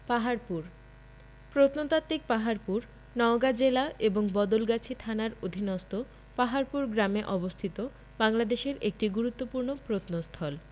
পাহাড়পুর প্রত্নতাত্ত্বিক পাহাড়পুর নওগাঁ জেলা এবং বদলগাছী থানার অধীনস্থ পাহাড়পুর গ্রামে অবস্থিত বাংলাদেশের একটি গুরুত্বপূর্ণ প্রত্নস্থল